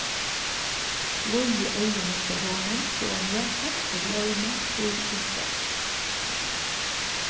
blíðu eyguni hjá honum fáa meg heilt at gloyma tíð og stað